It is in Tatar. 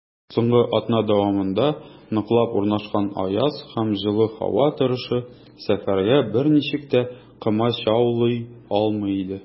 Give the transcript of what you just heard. Соңгы атна дәвамында ныклап урнашкан аяз һәм җылы һава торышы сәфәргә берничек тә комачаулый алмый иде.